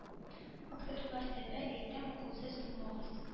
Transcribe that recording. Актык мәртәбә әйтәм акылсыз булмагыз